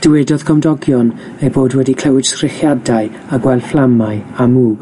Dywedodd cwmdogion eu bod wedi clywed sgrechiadau a gweld fflamau a mwg